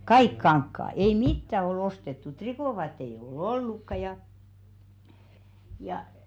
kaikki kankaat ei mitään ole ostettu trikoovaatteita ei ole ollutkaan ja ja